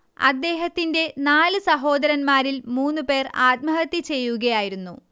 അദ്ദേഹത്തിന്റെ നാല് സഹോദരന്മാരിൽ മൂന്നുപേർ ആത്മഹത്യചെയ്യുകയായിരുന്നു